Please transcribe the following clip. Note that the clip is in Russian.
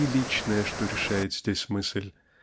-- не личное, что решает здесь мысль